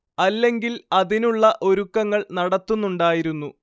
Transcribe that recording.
അല്ലെങ്കിൽ അതിനുള്ള ഒരുക്കങ്ങൾ നടത്തുന്നുണ്ടായിരുന്നു